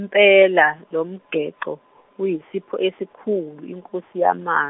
impela lomgexo uyisipho esikhulu Nkosi yama-.